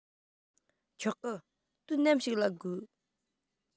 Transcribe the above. ཆོག གི དུས ནམ ཞིག ལ དགོས